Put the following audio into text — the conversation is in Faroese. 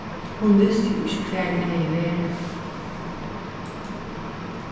hon visti jú ikki hvar eg hevði verið